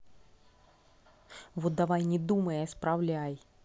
вот давай не думай а исправляй